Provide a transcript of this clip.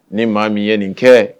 Nin maa min ye nin kɛ